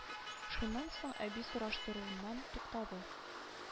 Шуннан соң әби сораштыруыннан туктады